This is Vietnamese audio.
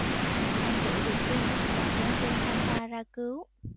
hoằng dụ được tin bèn đem quân thanh hoa ra cứu